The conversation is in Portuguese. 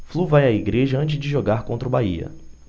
flu vai à igreja antes de jogar contra o bahia